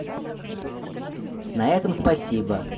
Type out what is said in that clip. на этом спасибо